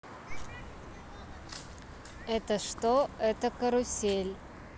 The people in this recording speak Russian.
это что это карусель